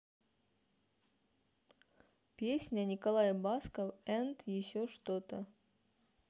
песня николай басков and еще что то